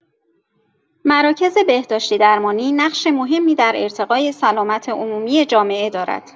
مراکز بهداشتی‌درمانی نقش مهمی در ارتقای سلامت عمومی جامعه دارد.